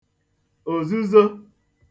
òzuzo